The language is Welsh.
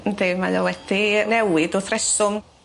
Yndi mae o wedi newid wrth reswm.